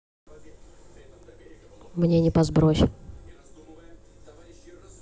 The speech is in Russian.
мне не по сбрось